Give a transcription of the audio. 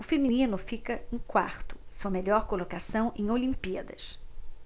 o feminino fica em quarto sua melhor colocação em olimpíadas